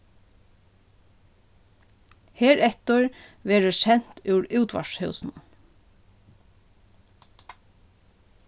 hereftir verður sent úr útvarpshúsinum